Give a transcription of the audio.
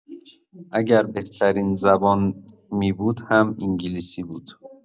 اگر بهترین زبان می‌بود هم انگلیسی بود.